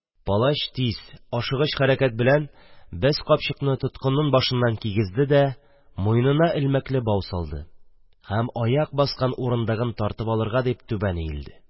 Палач тиз, ашыгыч хәрәкәт белән бәз капчыкны тоткынның башыннан кигезде дә, муенына элмәкле бау салды һәм урындыкны тартып алырга дип түбән иелде.